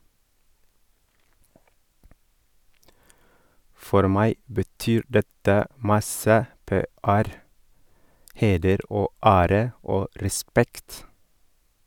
- For meg betyr dette masse PR, heder og ære og respekt.